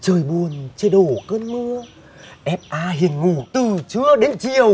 trời buồn trời đổ cơn mưa ép a hiền ngủ từ trưa đến chiều